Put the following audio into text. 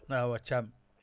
aywa Thiam